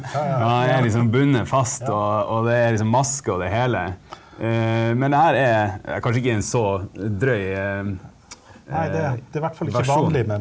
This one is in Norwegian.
og han er liksom bundet fast, og og det er liksom maske og det hele, men det her er er kanskje ikke en så drøy versjon.